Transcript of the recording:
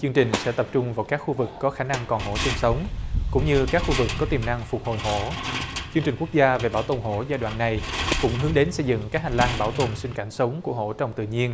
chương trình sẽ tập trung vào các khu vực có khả năng còn hổ sinh sống cũng như các khu vực có tiềm năng phục hồi hổ chương trình quốc gia về bảo tồn hổ giai đoạn này cũng hướng đến xây dựng các hành lang bảo tồn sinh cảnh sống của hổ trong tự nhiên